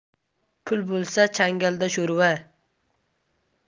pul bo'lsa changalda sho'rva